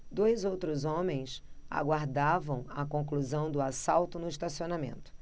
dois outros homens aguardavam a conclusão do assalto no estacionamento